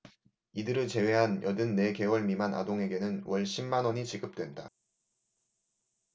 이들을 제외한 여든 네 개월 미만 아동에게는 월 십 만원이 지급된다